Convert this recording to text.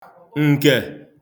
ǹkè